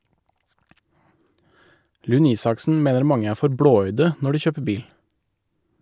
Lund-Isaksen mener mange er for blåøyde når de kjøper bil.